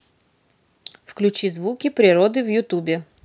включи звуки природы в ютубе